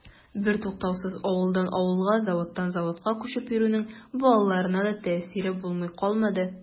Бертуктаусыз авылдан авылга, заводтан заводка күчеп йөрүнең балаларына да тәэсире булмый калмады.